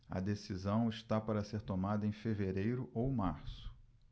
a decisão está para ser tomada em fevereiro ou março